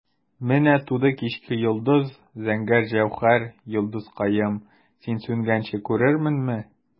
Менә туды кичке йолдыз, зәңгәр җәүһәр, йолдызкаем, син сүнгәнче күрерменме?